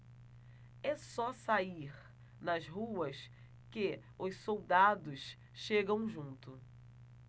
é só sair nas ruas que os soldados chegam junto